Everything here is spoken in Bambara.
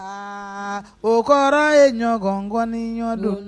A o kɔrɔ ye ɲɔgɔn nkɔni ɲɔgɔndon